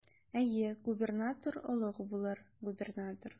Әйе, губернатор олуг булыр, губернатор.